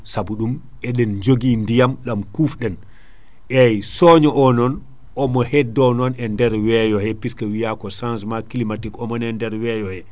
saabu ɗum eɗen joogui ndiyam ɗam kufɗen eyyi soño o non omo heddo non e nder weeyo he puisque wiya ko changement climatique omone e nder weeyo he